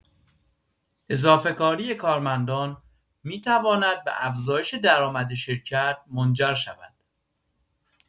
اضافه‌کاری کارمندان می‌تواند به افزایش درآمد شرکت منجر شود.